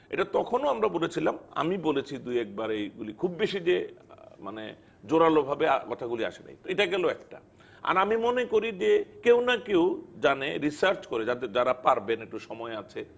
এটা তখন আমরা বলেছিলাম আমি বলেছি দুই একবার এ গুলি খুব বেশি যে জোরালো ভাবে কথা গুলো আসে নাই এটা গেল একটা আর আমি মনে করি যে কেউ না কেউ জানে রিসার্চ করে যারা পারবেন একটু সময় আছে